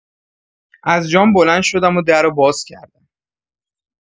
از جام بلند شدم و درو باز کردم.